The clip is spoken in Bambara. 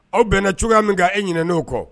Aw bɛnna cogoya min ka e ɲinen' kɔ